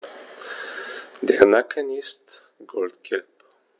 Der Nacken ist goldgelb.